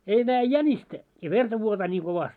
ei näe jänistä ja verta vuotaa niin kovasti